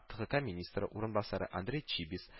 ТХК министры урынбасары Андрей Чибис